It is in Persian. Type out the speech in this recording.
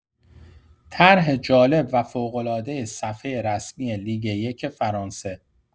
طرح جالب و فوق‌العاده صفحه رسمی لیگ یک فرانسه